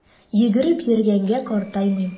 Йөгереп йөргәнгә картаймыйм!